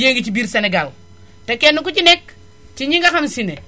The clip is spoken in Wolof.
yii a ngi ci biir sénégal te kenn ku ci nekk si ñi nga xam si ne